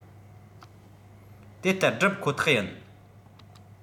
དེ ལྟར བསྒྲུབ ཁོ ཐག ཡིན